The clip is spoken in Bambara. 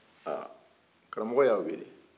aa karamɔgɔ y'a weele